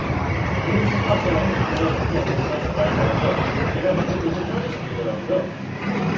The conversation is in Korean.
이은주 카페 안에 온도가 적정 온도보다 좀 많이 낮아서 제가 부들부들 떨릴 정도더라고요